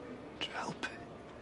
Trio helpu.